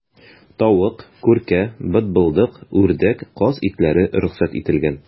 Тавык, күркә, бытбылдык, үрдәк, каз итләре рөхсәт ителгән.